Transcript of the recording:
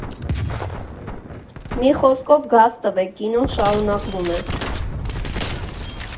Մի խոսքով, գազ տվեք, կինոն շարունակվում է՜։